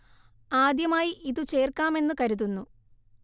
ആദ്യമായി ഇത് ചേർക്കാം എന്നു കരുതുന്നു